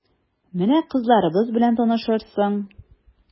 Менә кызларыбыз белән танышырсың...